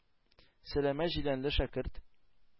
Сәләмә җиләнле шәкерт,